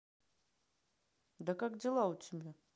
да как дела у тебя